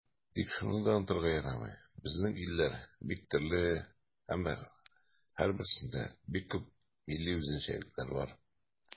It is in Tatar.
Тик шуны да онытырга ярамый, безнең илләр бик төрле һәм һәрберсендә бик күп милли үзенчәлекләр бар.